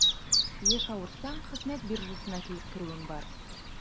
Еш авырсаң, хезмәт биржасына килеп керүең бар.